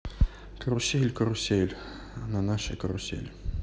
карусель карусель на нашей карусель